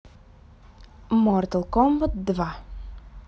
mortal kombat два